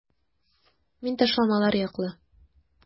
Мин ташламалар яклы.